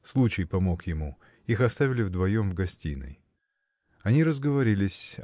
Случай помог ему: их оставили вдвоем в гостиной. Они разговорились